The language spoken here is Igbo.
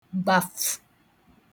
gbàfū